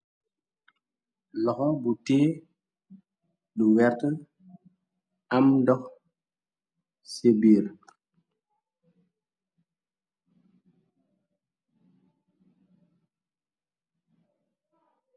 Loxo bu tée du wert am ndox ci biir.